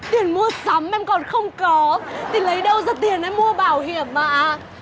tiền mua sắm em còn không có thì lấy đâu ra tiền em mua bảo hiểm ạ